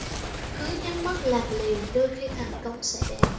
cứ nhắm mắt làm liều đôi khi thành công sẽ đến